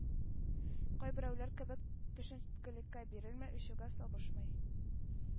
Кайберәүләр кебек төшенкелеккә бирелми, эчүгә сабышмый.